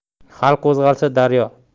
xalq qo'zg'alsa daryo